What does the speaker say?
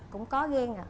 cũng có ghen ạ